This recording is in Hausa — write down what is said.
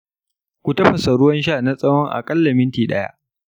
ku tafasa ruwan sha na tsawon aƙalla minti ɗaya.